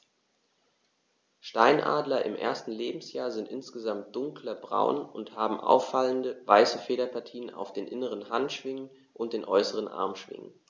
Steinadler im ersten Lebensjahr sind insgesamt dunkler braun und haben auffallende, weiße Federpartien auf den inneren Handschwingen und den äußeren Armschwingen.